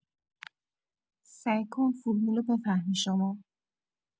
سعی کن فرمولو بفهمی شما